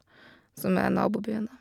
Som er nabobyen, da.